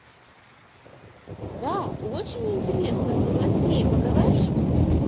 да очень интересно было с ней поговорить